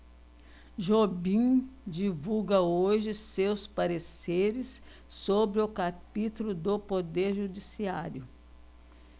jobim divulga hoje seus pareceres sobre o capítulo do poder judiciário